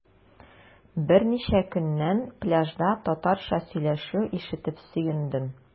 Берничә көннән пляжда татарча сөйләшү ишетеп сөендем.